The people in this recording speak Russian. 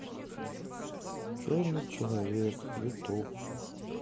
черный человечек ютуб